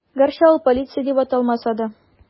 Гәрчә ул полиция дип аталмаса да.